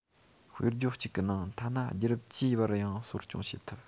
དཔེར བརྗོད གཅིག གི ནང ཐ ན རྒྱུད རབས བཅུའི བར ཡང གསོ སྐྱོང བྱེད ཐུབ